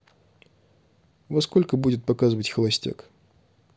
во сколько будет показывать холостяк